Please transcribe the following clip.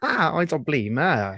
A oh I don't blame her!